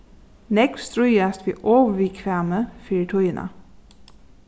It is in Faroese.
nógv stríðast við ovurviðkvæmi fyri tíðina